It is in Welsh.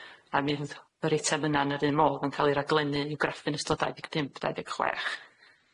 A mi fydd yr eitem yna yn yr un modd yn ca'l 'i raglennu i'w graffu'n ystod dau ddeg pump dau ddeg chwech.